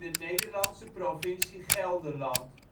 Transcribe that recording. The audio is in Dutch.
Nederlandse provincie Gelderland